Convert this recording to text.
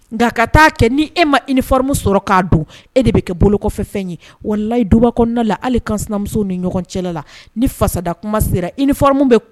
Ye walayi duba kan sinamuso ni ɲɔgɔn cɛ la sera